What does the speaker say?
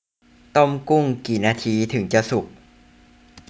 ต้มกุ้งกี่นาทีถึงจะสุก